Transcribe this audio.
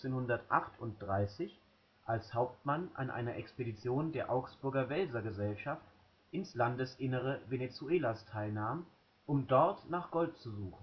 1538 als Hauptmann an einer Expedition der Augsburger Welser-Gesellschaft ins Landesinnere Venezuelas teilnahm, um dort nach Gold zu